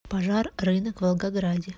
пожар рынок в волгограде